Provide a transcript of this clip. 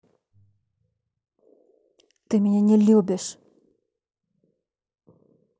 ты меня не любишь